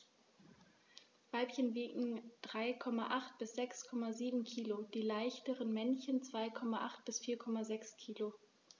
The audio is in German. Weibchen wiegen 3,8 bis 6,7 kg, die leichteren Männchen 2,8 bis 4,6 kg.